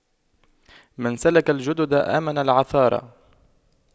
من سلك الجدد أمن العثار